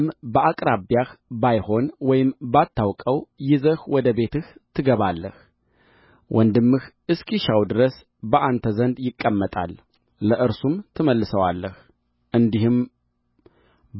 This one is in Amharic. በአቅራቢያህ ባይሆን ወይም ባታውቀው ይዘህ ወደ ቤትህ ትገባለህ ወንድምህ እስኪሻው ድረስ በአንተ ዘንድ ይቀመጣል ለእርሱም ትመልሰዋለህ እንዲህም